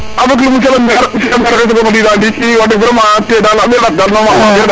*